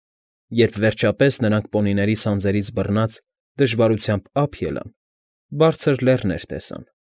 Երբ, վերջապես, նրանք պոնիների սանձերից բռնած, դժվարությամբ ափ ելան, բարձր լեռներ տեսան։